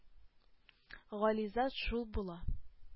Гали зат шул була...